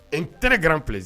N tɛ garan p